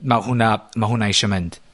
Ma' hwnna, ma' hwnna eisia mynd.